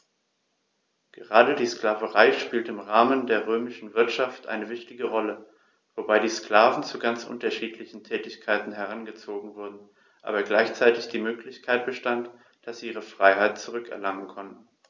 Gerade die Sklaverei spielte im Rahmen der römischen Wirtschaft eine wichtige Rolle, wobei die Sklaven zu ganz unterschiedlichen Tätigkeiten herangezogen wurden, aber gleichzeitig die Möglichkeit bestand, dass sie ihre Freiheit zurück erlangen konnten.